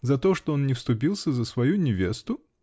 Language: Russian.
За то, что он не вступился за свою невесту ?